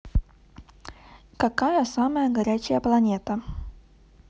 какая самая горячая планета